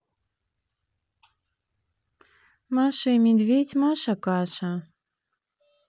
маша и медведь маша каша